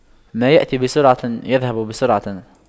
ما يأتي بسرعة يذهب بسرعة